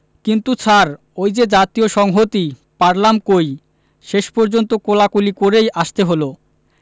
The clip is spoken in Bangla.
কিন্তু স্যার ওই যে জাতীয় সংহতি পারলাম কই শেষ পর্যন্ত কোলাকুলি করেই আসতে হলো